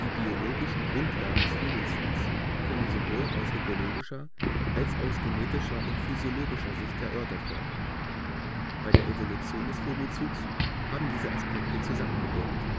biologischen Grundlagen des Vogelzugs können sowohl aus ökologischer als aus genetischer und physiologischer Sicht erörtert werden. Bei der Evolution des Vogelzugs haben diese Aspekte zusammengewirkt